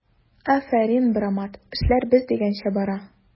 Афәрин, брамат, эшләр без дигәнчә бара!